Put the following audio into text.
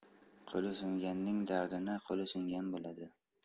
qo'li singanning dardini qo'li singan biladi